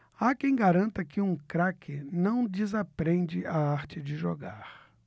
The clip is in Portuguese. há quem garanta que um craque não desaprende a arte de jogar